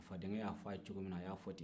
fadenkɛ y'a f'a ye cogo min na a y'a fɔ ten